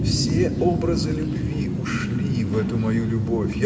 Все образы любви ушли в эту мою любовь.